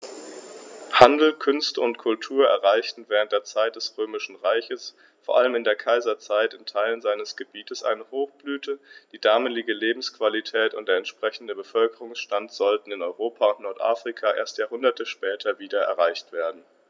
Handel, Künste und Kultur erreichten während der Zeit des Römischen Reiches, vor allem in der Kaiserzeit, in Teilen seines Gebietes eine Hochblüte, die damalige Lebensqualität und der entsprechende Bevölkerungsstand sollten in Europa und Nordafrika erst Jahrhunderte später wieder erreicht werden.